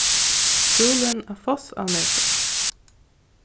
skúlin á fossánesi